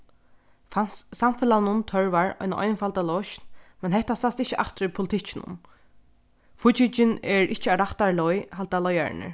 samfelagnum tørvar eina einfalda loysn men hetta sæst ikki aftur í politikkinum fíggingin er ikki á rættari leið halda leiðararnir